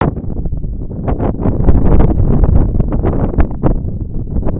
включи матч сочи ахмат хоккей